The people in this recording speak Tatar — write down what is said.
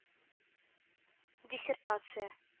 Диссертация